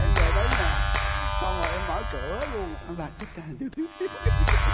em về tới nhà xong rồi em mở cửa luôn xong là chết cha thiếu thiếu thiếu cái gì